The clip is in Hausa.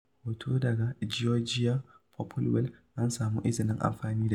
Hoto daga Georgia Popplewell, an samu izinin amfani da shi.